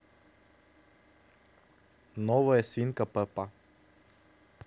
новая свинка пеппа